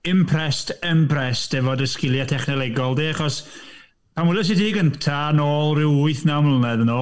Impressed, impressed efo dy sgiliau technolegol di, achos pan weles i ti gyntaf nôl ryw wythnaw mlynedd yn ôl...